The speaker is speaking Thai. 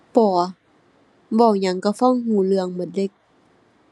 บ่ เว้าหยังก็ฟังก็เรื่องเบิดเดะ